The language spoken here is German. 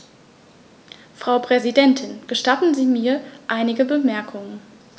Frau Präsidentin, gestatten Sie mir einige Bemerkungen.